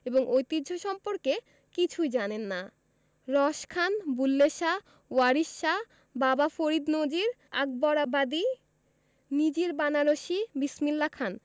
এবং ঐতিহ্য সম্পর্কে কিছুই জানেন না রস খান বুল্লে শাহ ওয়ারিশ শাহ বাবা ফরিদ নজির আকবরাবাদি নিজির বানারসি বিসমিল্লা খান